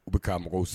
U bɛ ka mɔgɔw san